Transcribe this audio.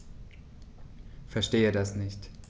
Verstehe das nicht.